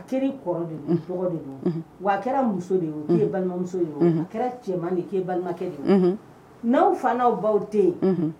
Teri kɔrɔ wa a kɛra muso de' balimamuso ye a kɛra cɛman balimakɛ ye n'aw fana' aw baw den